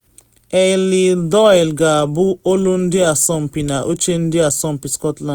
Eilidh Doyle ga-abụ “olu ndị asọmpi” na oche Ndị Asọmpi Scotland